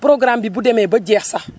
programme bi bu demee ba jeex sax